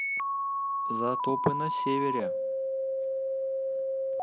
затопы на севере